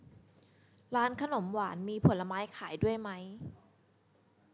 ร้านขนมหวานมีผลไม้ขายด้วยไหม